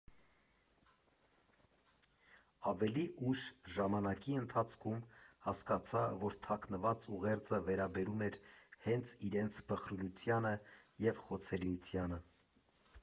Ավելի ուշ, ժամանակի ընթացքում, հասկացա, որ թաքնված ուղերձը վերաբերում էր հենց իրենց փխրունությանը և խոցելիությանը։